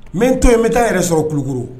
Mɛn to yen n bɛ taa n yɛrɛ sɔrɔ Kulikoro